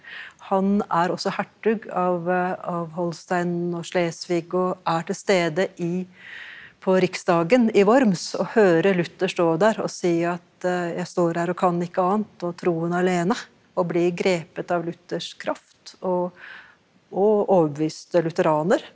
han er også hertug av av Holstein og Slesvig og er tilstede i på riksdagen i Worms og hører Luther stå der å si at jeg står her og kan ikke annet og troen alene og blir grepet av Luthers kraft og og overbevist lutheraner.